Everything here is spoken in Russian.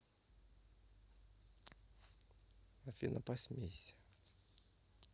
афина посмейся